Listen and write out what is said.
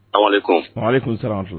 Ale tun siran antu